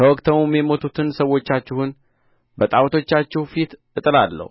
ተወግተውም የሞቱትን ሰዎቻችሁን በጣዖቶቻችሁ ፊት እጥላለሁ